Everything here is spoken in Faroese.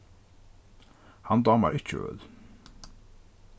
hann dámar ikki øl